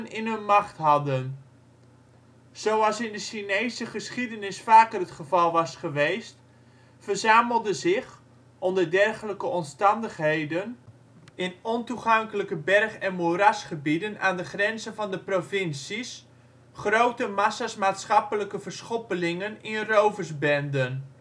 in hun macht hadden. Zoals in de Chinese geschiedenis vaker het geval was geweest, verzamelden zich, onder dergelijke omstandigheden, in ontoegankelijke berg - en moerasgebieden aan de grenzen van de provincies grote massa 's maatschappelijke verschoppelingen in roversbenden